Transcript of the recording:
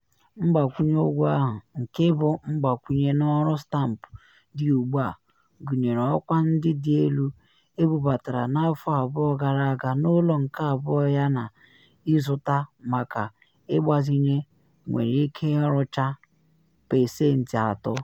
Mgbakwunye ụgwọ ahụ - nke bụ mgbakwunye n’ọrụ stampụ dị ugbu a, gụnyere ọkwa ndị dị elu ebubatara n’afọ abụọ gara aga n’ụlọ nke abụọ yana ịzụta-maka-ịgbazinye - nwere ike irucha pasentị atọ.